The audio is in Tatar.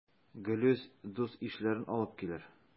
Гелүс дус-ишләрен алып килер.